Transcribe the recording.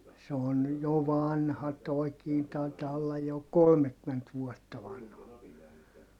se on jo vanha tuokin taitaa olla jo kolmekymmentä vuotta vanha